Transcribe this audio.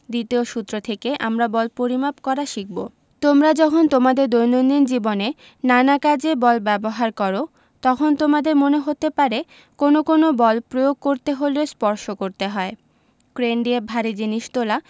দ্বিতীয় সূত্র থেকে আমরা বল পরিমাপ করা শিখব তোমরা যখন তোমাদের দৈনন্দিন জীবনে নানা কাজে বল ব্যবহার করো তখন তোমাদের মনে হতে পারে কোনো কোনো বল প্রয়োগ করতে হলে স্পর্শ করতে হয় ক্রেন দিয়ে ভারী জিনিস তোলা